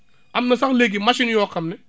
am na sax léegi machine yoo xam ne